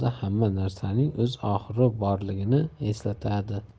dunyoda hamma narsaning o'z oxiri borligini eslatadi